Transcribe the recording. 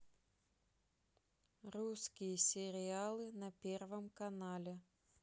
русские сериалы на первом канале